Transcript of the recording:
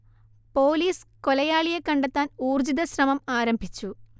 police കൊലയാളിയെ കണ്ടെത്താൻ ഊർജ്ജിത ശ്രമം ആരംഭിച്ചു